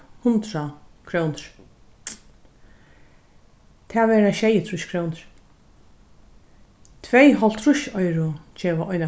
hundrað krónur tað verða sjeyogtrýss krónur tvey hálvtrýssoyru geva eina